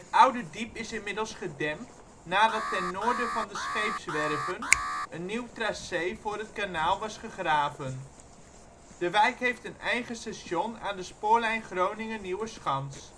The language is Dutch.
oude diep is inmiddels gedempt, nadat ten noorden van de scheepswerven een nieuw tracé voor het kanaal was gegraven. De wijk heeft een eigen station aan de spoorlijn Groningen - Nieuweschans